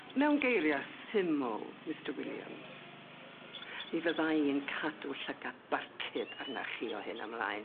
Mewn geiria' siml, Mr. Williams mi fydda i'n cadw llygad barcud arnach chi o hyn ymlaen.